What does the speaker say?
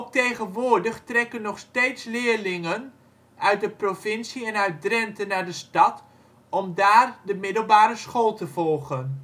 tegenwoordig trekken nog steeds leerlingen uit de provincie en uit Drenthe naar de stad om daar de middelbare school te volgen